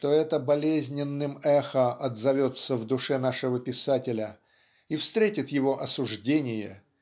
что это болезненным эхом отзовется в душе нашего писателя и встретит его осуждение